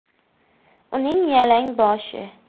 uning yalang boshi